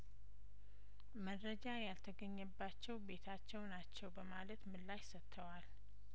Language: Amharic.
መረጃ ያልተገኘባቸው ቤታቸው ናቸው በማለት ምላሽ ሰጥተዋል